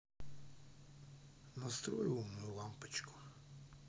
настрой умную лампочку